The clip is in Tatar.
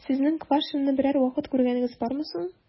Сезнең Квашнинны берәр вакыт күргәнегез бармы соң?